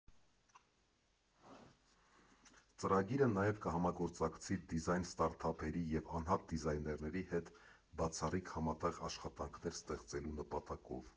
Ծրագիրը նաև կհամագործակցի դիզայն ստարտափերի և անհատ դիզայներների հետ բացառիկ համատեղ աշխատանքներ ստեղծելու նպատակով։